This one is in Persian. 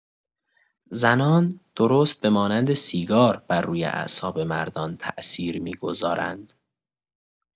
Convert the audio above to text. زنان، درست به مانند سیگار، برروی اعصاب مردان تاثیر می‌گذارند.